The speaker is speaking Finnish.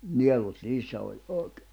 nielut niissä oli oikein